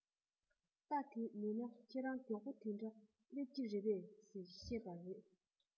རྟ དེ མེད ན ཁྱེད རང མགྱོགས པོ དེའི འདྲ སླེབས ཀྱི རེད པས ཟེར བཤད པ རེད